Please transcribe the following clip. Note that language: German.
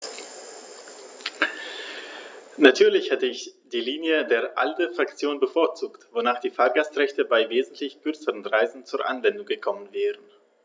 Natürlich hätte ich die Linie der ALDE-Fraktion bevorzugt, wonach die Fahrgastrechte bei wesentlich kürzeren Reisen zur Anwendung gekommen wären.